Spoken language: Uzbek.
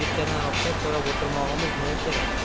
yigitchadan ruxsat so'rab o'tirmog'imiz ne kerak